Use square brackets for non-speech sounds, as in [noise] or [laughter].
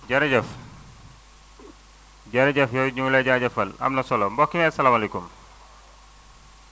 jërëjëf [noise] jërëjëf yow it ñu ngi lay jaajëfal am na solo mbokk mi asalaamaaleykum [noise]